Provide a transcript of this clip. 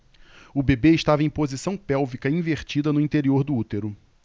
o bebê estava em posição pélvica invertida no interior do útero